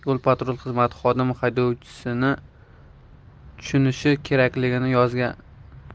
patrul xizmati xodimi haydovchini tushunishi kerakligini yozgan